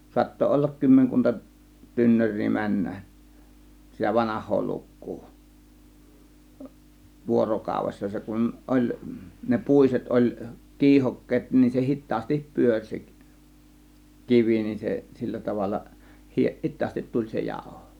saattoi olla kymmenkunta tynnyriä mennä sitä vanhaa lukua vuorokaudessa se kun oli ne puiset oli kiihokkeet niin se hitaasti pyöri se kivi niin se sillä tavalla - hitaasti tuli se jauho